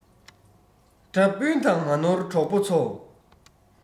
དགྲ སྤུན དང མ ནོར གྲོགས པོ ཚོ